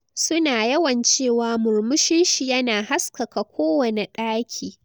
Su na yawan cewa murmushin shi yana haskaka kowane daki.